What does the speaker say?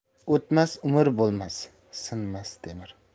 o'tmas umr bo'lmas sinmas temir